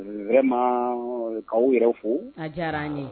Yɛrɛ ma k'aw yɛrɛ fo a diyara an n ye